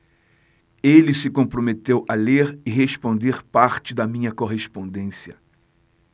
ele se comprometeu a ler e responder parte da minha correspondência